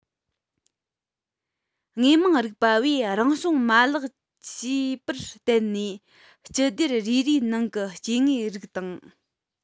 དངོས མང རིག པ བས རང བྱུང མ ལག ཅེས པར བརྟེན ནས སྤྱི སྡེ རེ རེའི ནང གི སྐྱེ དངོས རིགས དང